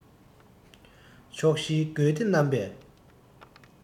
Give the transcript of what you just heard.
ཕྱོགས བཞིའི དགོན སྡེ རྣམ པས